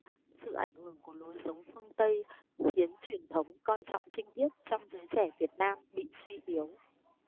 sự ảnh hưởng của lối sống phương tây khiến truyền thống coi trọng trinh tiết trong giới tẻ việt nam bị suy yếu